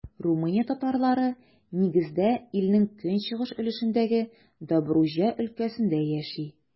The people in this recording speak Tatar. Румыния татарлары, нигездә, илнең көнчыгыш өлешендәге Добруҗа өлкәсендә яши.